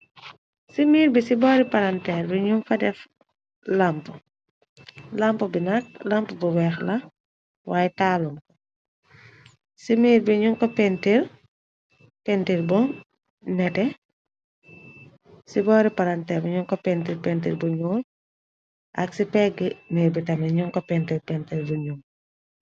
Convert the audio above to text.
Ci miir bi ci boori paranteer bibñyung fa def lamp lamp bi nak lamp bu weex la waaye taalut mirr bu nete ci boori palanteer biñu ko pentir pentir bu ñuul ak ci pegg miir bi tamit ñu ko pentir pentir bu ñum.